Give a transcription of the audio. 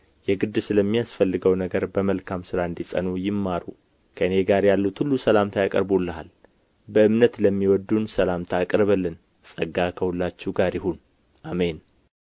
የግድ ስለሚያስፈልገው ነገር በመልካም ሥራ እንዲጸኑ ይማሩ ከእኔ ጋር ያሉት ሁሉ ሰላምታ ያቀርቡልሃል በእምነት ለሚወዱን ሰላምታ አቅርብልን ጸጋ ከሁላችሁ ጋር ይሁን አሜን